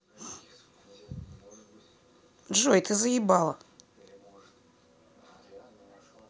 джой ты заебала